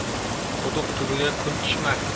quduq tubiga kun tushmas